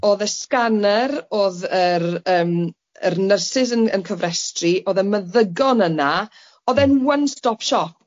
o'dd y scanner, o'dd yr yym yr nyrsys yn yn cyfrestru, o'dd y meddygon yna o'dd e'n one-stop shop.